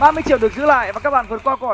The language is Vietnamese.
ba mươi triệu được giữ lại và các bạn vượt qua câu